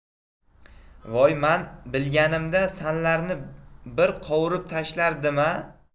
voy man bilganimda sanlarni bi ir qovurib tashlardim a